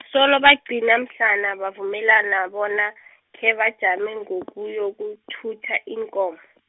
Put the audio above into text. solo abagcina mhlana bavumelana bona , khebajame ngokuyokuthutha iinkomo.